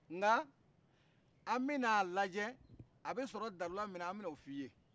nga an bɛ n'a lacɛ abɛ sɔrɔ doluya nin na an bɛ n'o f'i ye